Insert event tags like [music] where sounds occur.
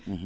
[hesitation] [hesitation]